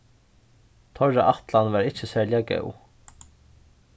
teirra ætlan var ikki serliga góð